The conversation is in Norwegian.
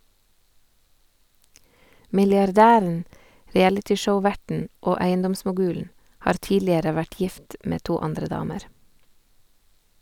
Milliardæren, realityshow-verten og eiendomsmogulen har tidligere vært gift med to andre damer.